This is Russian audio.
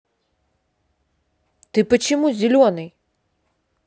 ты почему зеленый